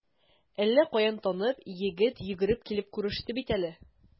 Әллә каян танып, егет йөгереп килеп күреште бит әле.